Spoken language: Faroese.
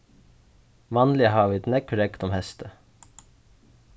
vanliga hava vit nógv regn um heystið